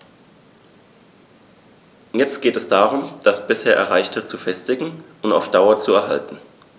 Jetzt geht es darum, das bisher Erreichte zu festigen und auf Dauer zu erhalten.